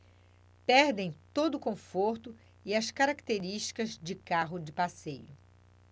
perdem todo o conforto e as características de carro de passeio